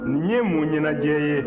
nin ye mun ɲɛnajɛ ye